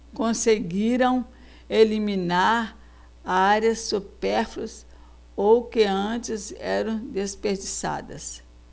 conseguiram eliminar áreas supérfluas ou que antes eram desperdiçadas